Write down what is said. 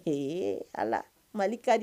Ee Ala Mali kadi